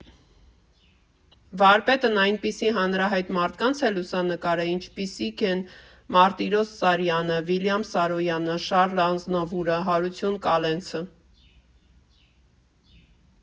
Վարպետն այնպիսի հանրահայտ մարդկանց է լուսանկարել, ինչպիսիք են Մարտիրոս Սարյանը, Վիլյամ Սարոյանը, Շառլ Ազնավուրը, Հարություն Կալենցը։